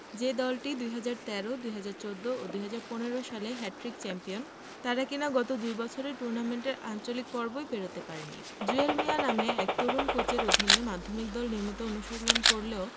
যে দলটি ২০১৩ ২০১৪ ও ২০১৫ সালে হ্যাটট্রিক চ্যাম্পিয়ন তারা কিনা গত দুই বছরে টুর্নামেন্টের আঞ্চলিক পর্বই পেরোতে পারেনি জুয়েল মিয়া নামের এক তরুণ কোচের অধীনে মাধ্যমিক দল নিয়মিত অনুশীলন করলেও